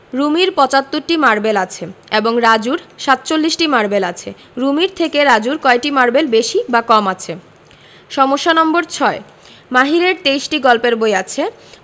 রুমির ৭৫টি মারবেল আছে এবং রাজুর ৪৭টি মারবেল আছে রুমির থেকে রাজুর কয়টি মারবেল বেশি বা কম আছে সমস্যা নম্বর ৬ মাহিরের ২৩টি গল্পের বই আছে